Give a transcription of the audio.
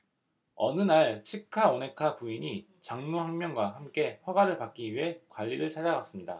어느 날 치카오네카 부인이 장로 한 명과 함께 허가를 받기 위해 관리를 찾아갔습니다